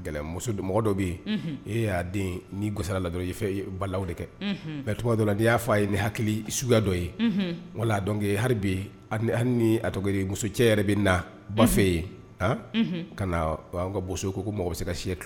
Muso dɔnmɔgɔ dɔ bɛ yen e y'a den ni gora ladɔ ye fɛ balaw de kɛ tɔgɔ dɔ n' y'a fɔa ye nin hakili suguya dɔ ye wala dɔn hali muso cɛ yɛrɛ bɛ na ba fɛ yen ka na an ka bo ko mɔgɔ bɛ se ka si